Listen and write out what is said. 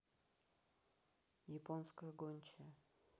японская гончая